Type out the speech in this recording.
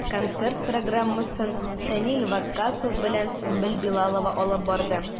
Концерт программасын Фәнил Ваккасов белән Сөмбел Билалова алып барды.